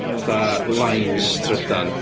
Fatha lines trydan.